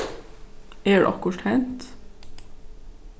er okkurt hent